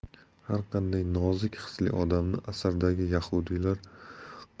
har qanday nozik hisli odamni asardagi yahudiylar